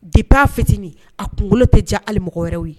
Di b'a fitinin a kunkolo tɛ diya ali wɛrɛw ye